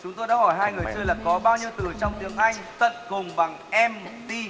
chúng tôi đã hỏi hai người chơi là có bao nhiêu từ trong tiếng anh tận cùng bằng em ti